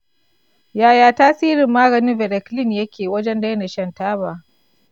yaya tasirin maganin varenicline yake wajen daina shan taba?